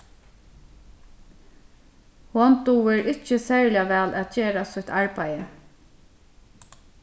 hon dugir ikki serliga væl at gera sítt arbeiði